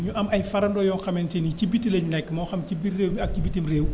ñu am ay farandoo yoo xamante ni ci bitti lay nekk moo xam ci biir réew mi ak ci bittim réew